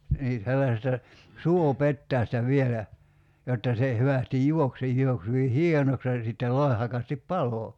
niin sellaisesta suopetäjästä vielä jotta se hyvästi juoksi se juoksi hyvin hienoksi ja sitten loihakasti paloi